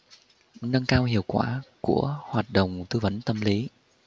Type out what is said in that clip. nâng cao hiệu quả của hoạt động tư vấn tâm lý